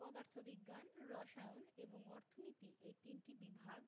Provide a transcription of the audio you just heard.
পদার্থ বিজ্ঞান রসায়ন এবং অর্থনীতি এ তিনটি বিভাগ